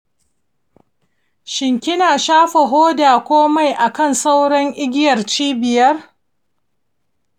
shin kina shafa hoda ko mai a kan sauran igiyar cibiyar?